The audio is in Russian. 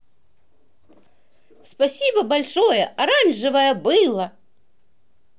спасибо большое оранжевое было